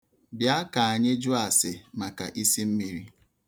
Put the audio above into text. Bịa ka anyị juo ase maka isimmiri.